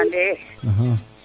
to ande